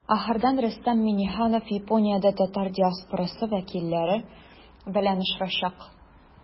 Ахырдан Рөстәм Миңнеханов Япониядә татар диаспорасы вәкилләре белән очрашачак.